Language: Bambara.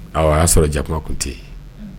Awɔ a y'a sɔrɔ jakuma tun tɛ yen